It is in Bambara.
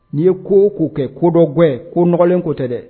N'i ye ko k'o kɛ kolajɛ, ko nɔgɔlen ko tɛ dɛ